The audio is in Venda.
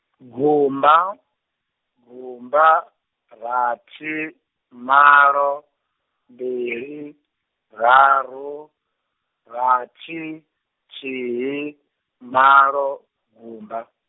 gumba, gumba, rathi, malo, mbili, raru, rathi, thihi, malo, gumba.